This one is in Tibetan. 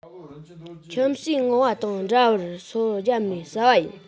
ཁྱིམ གསོས ངང པ དང འདྲ བར སོ བརྒྱབ ནས ཟ བ ཡིན